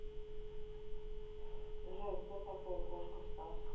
джой кто такой кошка стас